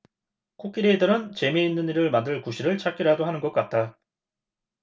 코끼리들은 재미있는 일을 만들 구실을 찾기라도 하는 것 같다